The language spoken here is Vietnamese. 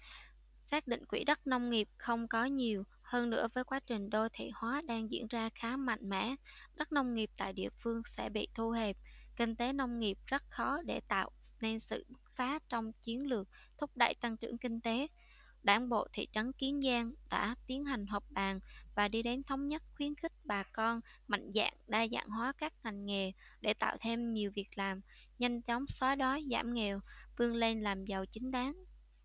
xác định quỹ đất nông nghiệp không có nhiều hơn nữa với quá trình đô thị hóa đang diễn ra khá mạnh mẽ đất nông nghiệp tại địa phương sẽ bị thu hẹp kinh tế nông nghiệp rất khó để tạo nên sự bứt phá trong chiến lược thúc đẩy tăng trưởng kinh tế đảng bộ thị trấn kiến giang đã tiến hành họp bàn và đi đến thống nhất khuyến khích bà con mạnh dạn đa dạng hóa các ngành nghề để tạo thêm nhiều việc làm nhanh chóng xóa đói giảm nghèo vươn lên làm giàu chính đáng